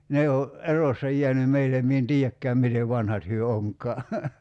ne on erossa jäänyt meille minä en tiedäkään miten vanhat he onkaan